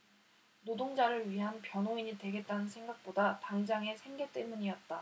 노동자를 위한 변호인이 되겠다는 생각보다 당장의 생계 때문이었다